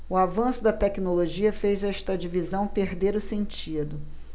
o avanço da tecnologia fez esta divisão perder o sentido